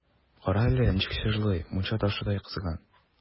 Кара әле, ничек чыжлый, мунча ташыдай кызган!